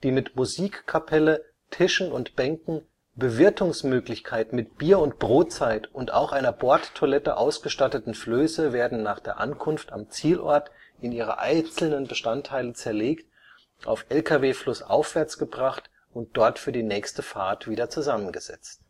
mit Musikkapelle, Tischen und Bänken, Bewirtungsmöglichkeit mit Bier und Brotzeit und auch einer Bordtoilette ausgestatteten Flöße werden nach der Ankunft am Zielort in ihre einzelnen Bestandteile zerlegt, auf Lkw flussaufwärts gebracht und dort für die nächste Fahrt wieder zusammengesetzt